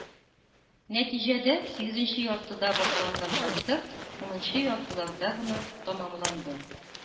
Нәтиҗәдә, сигезенче яртыда башланган концерт унынчы яртыларда гына тәмамланды.